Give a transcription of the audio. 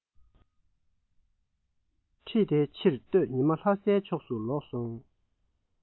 ཁྲིད དེ ཕྱིར སྟོད ཉི མ ལྷ སའི ཕྱོགས སུ ལོག སོང